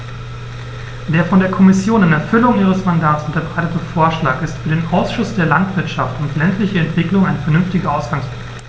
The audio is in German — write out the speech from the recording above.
Der von der Kommission in Erfüllung ihres Mandats unterbreitete Vorschlag ist für den Ausschuss für Landwirtschaft und ländliche Entwicklung ein vernünftiger Ausgangspunkt.